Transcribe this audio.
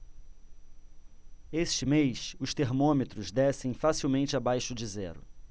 este mês os termômetros descem facilmente abaixo de zero